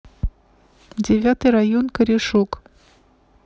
девятый район корешок